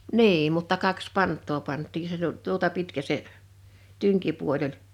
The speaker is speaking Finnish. niin mutta kaksi pantaa pantiin se - tuota pitkä se tynkipuoli oli